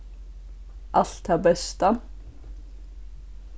alt tað besta